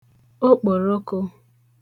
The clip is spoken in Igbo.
okpòrokō